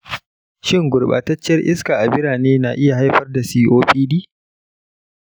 shin gurbataccen iska a birane yana haifar da cutar copd?